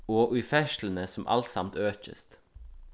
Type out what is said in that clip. og í ferðsluni sum alsamt økist